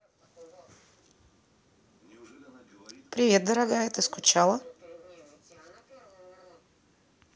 привет дорогая ты скучала